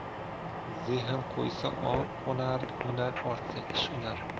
zehn qo'ysa ong qo'nar hunar ortsa ish unar